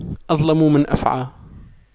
أظلم من أفعى